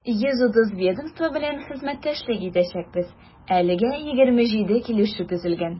130 ведомство белән хезмәттәшлек итәчәкбез, әлегә 27 килешү төзелгән.